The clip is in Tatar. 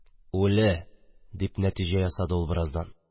– үле! – дип нәтиҗә ясады ул бераздан.